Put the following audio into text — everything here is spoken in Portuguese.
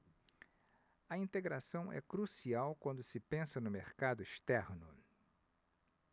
a integração é crucial quando se pensa no mercado externo